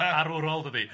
Arwrol dydi?